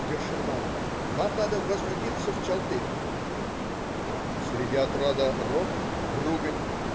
Гершельман,- вам надо возвратиться в Чалтыг'ь". Среди отряда ропот, ругань.